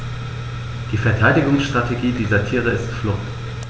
Die Verteidigungsstrategie dieser Tiere ist Flucht.